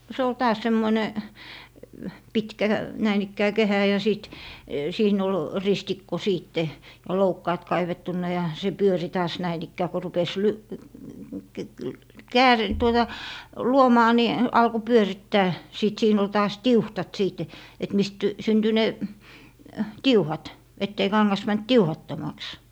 no se oli taas semmoinen pitkä näin ikään kehä ja sitten siinä oli ristikko sitten ja loukkaat kaivettuna ja se pyöri taas näin ikään kun rupesi --- tuota luomaan niin alkoi pyörittää sitten siinä oli taas tiuhdat sitten että mistä syntyi ne tiuhdat että ei kangas mennyt tiuhdattomaksi